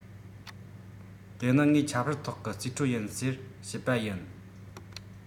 དེ ནི ངའི ཆབ སྲིད ཐོག གི རྩིས སྤྲོད ཡིན ཟེར བཤད པ ཡིན